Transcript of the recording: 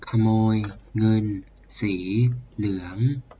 ขโมยเงินสีเหลือง